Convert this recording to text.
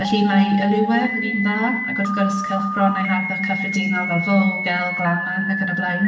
Felly, mae Allure yn un dda, ac wrth gwrs cylchgronau harddwch cyffredinol fel Vogue, Elle, Glamour ac yn y blaen.